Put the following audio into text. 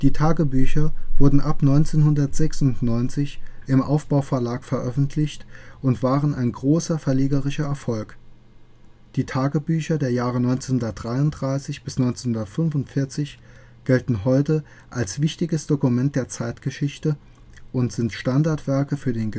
Tagebücher wurden ab 1996 im Aufbau-Verlag veröffentlicht und waren ein großer verlegerischer Erfolg. Die Tagebücher der Jahre 1933 bis 1945 gelten heute als wichtiges Dokument der Zeitgeschichte und sind Standardwerke für den